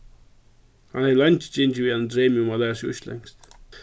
hann hevði leingi gingið við einum dreymi um at læra seg íslendskt